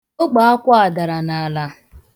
Ogbeakwụ a dara n'ala.